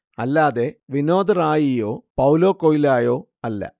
അല്ലാതെ വിനോദ് റായിയോ പൌലോ കൊയ്ലായൊ അല്ല